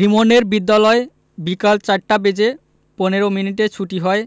রিমনের বিদ্যালয় বিকাল ৪ টা বেজে ১৫ মিনিটে ছুটি হয়